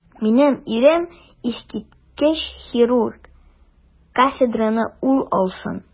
Минем ирем - искиткеч хирург, кафедраны ул алсын.